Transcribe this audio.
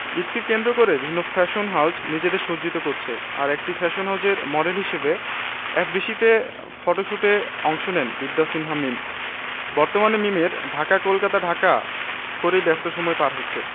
ঈদকে কেন্দ্র করে বিভিন্ন ফ্যাশন হাউজ নিজেদের সজ্জিত করছে আর একটি ফ্যাশন হাউজের মডেল হিসেবে এফডিসি তে ফটোশ্যুটে অংশ নেন বিদ্যা সিনহা মীম বর্তমানে মিমের ঢাকা কলকাতা ঢাকা করেই ব্যস্ত সময় পার হচ্ছে